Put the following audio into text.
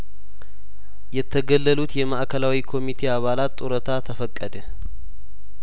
የተገለሉት የማእከላዊ ኮሚቴ አባላት ጡረታ ተፈቀደ